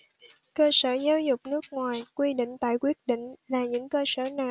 cơ sở giáo dục nước ngoài quy định tại quyết định là những cơ sở nào